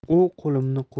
u qo'limni qo'yib